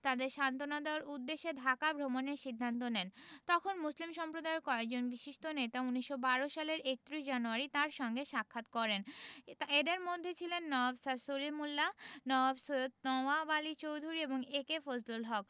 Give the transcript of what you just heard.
তাদের সান্ত্বনা দেওয়ার উদ্দেশ্যে ঢাকা ভ্রমণের সিদ্ধান্ত নেন তখন মুসলিম সম্প্রদায়ের কয়েকজন বিশিষ্ট নেতা ১৯১২ সালের ৩১ জানুয়ারি তাঁর সঙ্গে সাক্ষাৎ করেন এঁদের মধ্যে ছিলেন নওয়াব স্যার সলিমুল্লাহ নওয়াব সৈয়দ নওয়াব আলী চৌধুরী এবং এ.কে ফজলুল হক